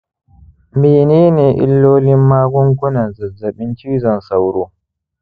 menene illolin magungunan zazzabin cizon sauro